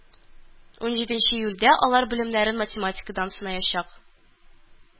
Унҗиденче июльдә алар белемнәрен математикадан сынаячак